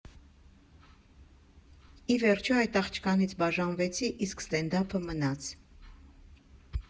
Ի վերջո, այդ աղջկանից բաժանվեցի, իսկ ստենդափը մնաց։